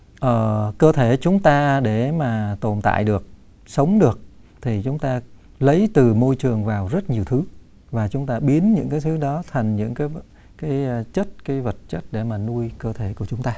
ờ cơ thể chúng ta để mà tồn tại được sống được thì chúng ta lấy từ môi trường vào rất nhiều thứ và chúng ta biến những cái thứ đó thành những cái cái chất cái vật chất để mà nuôi cơ thể của chúng ta